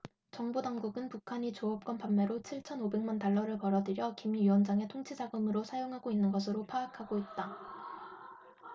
정보당국은 북한이 조업권 판매로 칠천 오백 만 달러를 벌어들여 김 위원장의 통치자금으로 사용하고 있는 것으로 파악하고 있다